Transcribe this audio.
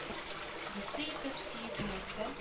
Дусты итеп, сөеп йөрәктән